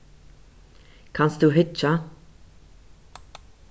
kanst tú hyggja